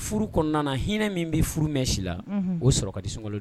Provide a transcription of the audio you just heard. Furu kɔnɔna hinɛ min bɛ furu mɛn si la o sɔrɔtisogɔ don